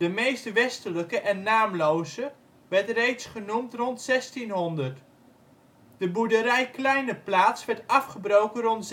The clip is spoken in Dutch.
meest westelijke en naamloze werd reeds genoemd rond 1600. De boerderij ' kleine plaats ' werd afgebroken rond